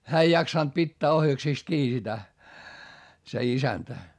hän ei jaksanut pitää ohjaksista kiinni sitä se isäntä